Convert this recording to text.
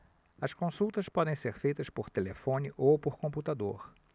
as consultas podem ser feitas por telefone ou por computador